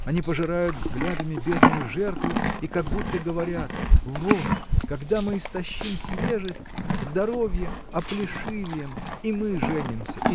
Они пожирают взглядами бедную жертву и как будто говорят Вот когда мы истощим свежесть здоровье оплешивеем и мы женимся